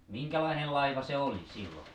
minkälainen laiva se oli silloin